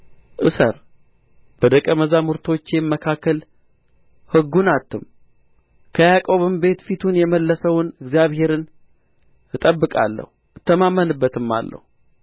እሰር በደቀ መዛሙርቶቼም መካከል ሕጉን አትም ከያዕቆብም ቤት ፊቱን የመለሰውን እግዚአብሔርን እጠብቃለሁ እተማመንበትማለሁ